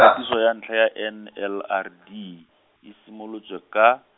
kgatiso ya ntlha ya N L R D, e simolotswe ka.